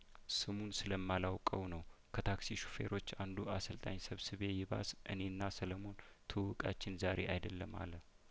ስሙን ስለማላውቀው ነው ከታክሲ ሹፌሮች አንዱ አሰልጣኝ ሰብስቤ ይባስ እኔና ሰለሞን ትውውቃችን ዛሬ አይደለም አለ